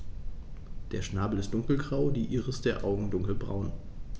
Der Schnabel ist dunkelgrau, die Iris der Augen dunkelbraun.